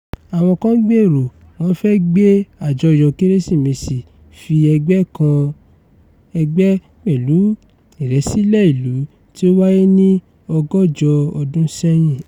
Àwọn kan gbèrò wọ́n fẹ́ gbé àjọyọ̀ Kérésìmesì fi ẹ̀gbẹ́ kan ẹ̀gbẹ́ pẹ̀lú ìrẹ̀sílẹ̀ ìlú tí ó wáyé ní ọgọ́jọ ọdún sẹ́yìn.